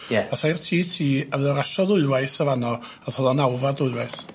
Ath o i'r Tee Tee a fydd o rasio ddwywaith y' fano gatho fo nawfed ddwywaith.